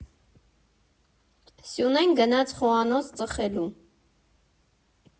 Սյունեն գնաց խոհանոց ծխելու։